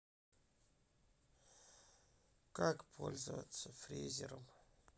как пользоваться фрезером